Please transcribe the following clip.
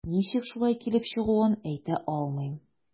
Ничек шулай килеп чыгуын әйтә алмыйм.